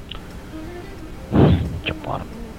Cɛ bɔra